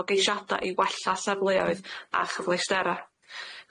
o geisiada' i wella sefleoedd a chyfleusterau.